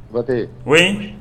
Jabatɛ ,wayi.